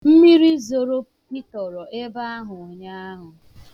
Mmiri zoro pịtọrọ ebe ahụ unyaahụ.